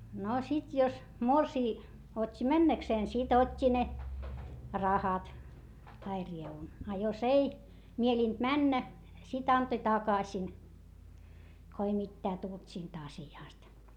no sitten jos morsian otti mennäkseen sitten otti ne rahat tai rievun a jos ei mielinyt mennä sitten antoi takaisin kun ei mitään tullut siitä asiasta